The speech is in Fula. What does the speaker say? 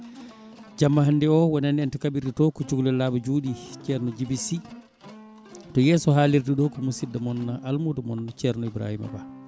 jamma hannde o wonani en to kaɓirɗe to ko cukalel laaɓa juuɗe ceerno Djiby Sy to yeeso halirde to ko musidɗo moon almudo moon ceerno Ibrihima Ba